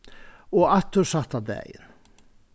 og aftur sætta dagin